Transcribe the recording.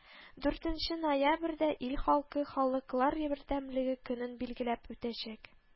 Дүртенче ноябрьдә ил халкы халыклар бердәмлеге көнен билгеләп үтәчәк